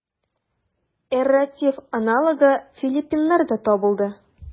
Эрратив аналогы филиппиннарда табылды.